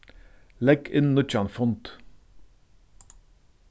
legg inn nýggjan fund